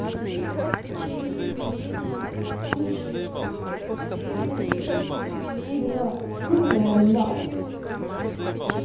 слышь ты сильно умная нахуй